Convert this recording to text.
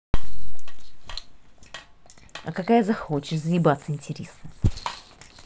а какая захочешь заебаться интересно